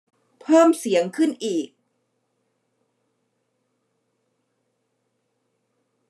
เพิ่มเสียงขึ้นอีก